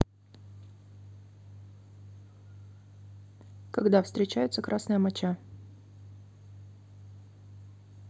когда встречается красная моча